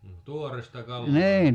tuoretta kalaa